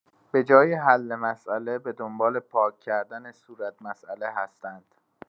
به‌جای حل مسئله به دنبال پاک‌کردن صورت مسئله هستند.